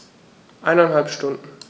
Eineinhalb Stunden